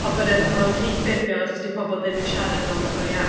Ond bod e'n... Ie. ...o'n rhy ffurfiol achos 'di pobl ddim yn siarad fel 'na go iawn.